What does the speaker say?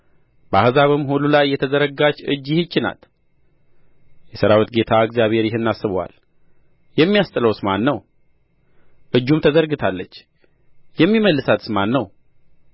በአሕዛብም ሁሉ ላይ የተዘረጋች እጅ ይህች ናት የሠራዊት ጌታ እግዚአብሔር ይህን አስቦአል የሚያስጥለውስ ማን ነው እጁም ተዘርግታለች የሚመልሳትስ ማን ነው